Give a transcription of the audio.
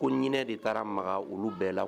Ko ɲinɛ de taara maga olu bɛɛ la